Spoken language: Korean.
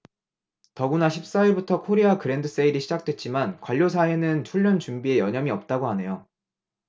더구나 십 사 일부터 코리아 그랜드세일이 시작됐지만 관료사회는 훈련 준비에 여념이 없다고 하네요